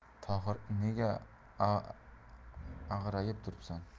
tohir nega ag'rayib turibsan